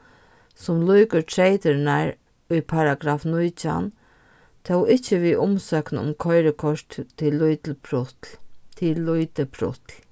sum lýkur treytirnar í paragraff nítjan tó ikki við umsókn um koyrikort til lítil prutl til lítið prutl